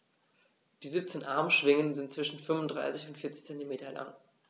Die 17 Armschwingen sind zwischen 35 und 40 cm lang.